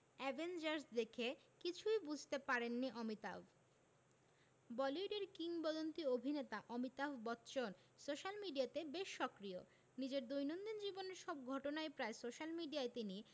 Avengers দেখে কিছুই বুঝতে পারেননি অমিতাভ বলিউডের কিংবদন্তী অভিনেতা অমিতাভ বচ্চন সোশ্যাল মিডিয়াতে বেশ সক্রিয় নিজের দৈনন্দিন জীবনের সব ঘটনাই প্রায় সোশ্যাল মিডিয়ায় তিনি